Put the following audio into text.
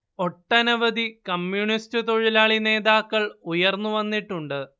ഒട്ടനവധി കമ്യൂണിസ്റ്റ് തൊഴിലാളി നേതാക്കൾ ഉയർന്നു വന്നിട്ടുണ്ട്